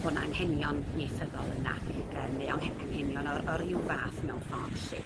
bo' 'na anghenion ieithyddol yna yym neu anghenion o o ryw fath mewn ffor' 'llu